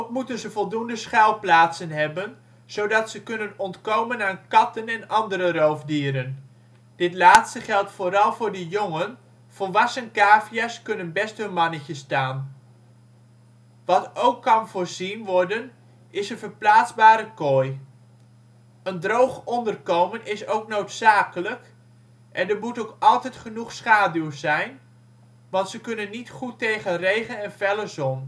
moeten ze voldoende schuilplaatsen hebben, zodat ze kunnen ontkomen aan katten en andere roofdieren. Dit laatste geldt vooral voor de jongen, volwassen cavia 's kunnen best hun mannetje staan. Wat ook kan voorzien worden, is een verplaatsbare kooi. Een droog onderkomen is ook noodzakelijk en er moet ook altijd genoeg schaduw zijn, want ze kunnen niet goed tegen regen en felle zon